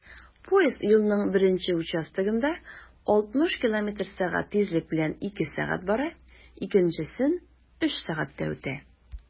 Поезд юлның беренче участогында 60 км/сәг тизлек белән 2 сәг. бара, икенчесен 3 сәгатьтә үтә.